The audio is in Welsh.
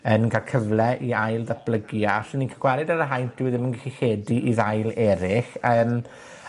yn ca'l cyfle i ail-datblygu. A allwn ni ca'l gwared ar yr haint, dyw e ddim yn gallu lledu i ddail eryll. Yym.